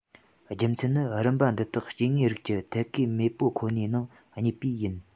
རྒྱུ མཚན ནི རིམ པ འདི དག སྐྱེ དངོས རིགས ཀྱི ཐད ཀའི མེས པོ ཁོ ནའི ནང རྙེད པས ཡིན